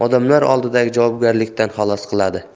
odamlar oldidagi javobgarlikdan xalos qiladi